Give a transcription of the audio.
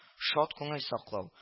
Шат күңел саклау